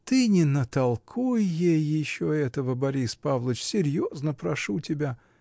Ты не натолкуй ей еще этого, Борис Павлыч, серьезно прошу тебя!